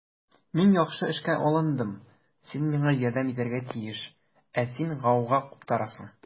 Мин яхшы эшкә алындым, син миңа ярдәм итәргә тиеш, ә син гауга куптарасың.